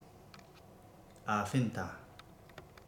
ཨ ཧྥེན ཏ